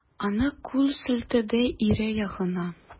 Ана кул селтәде ире ягына.